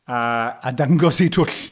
A dangos eu twll.